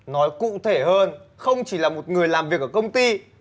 nói cụ thể hơn không chỉ là một người làm việc ở công ty